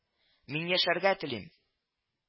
— мин яшәргә телим